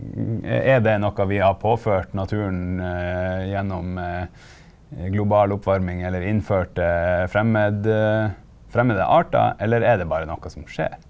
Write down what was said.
er det noe vi har påført naturen gjennom global oppvarming eller innført fremmede arter, eller er det bare noe som skjer?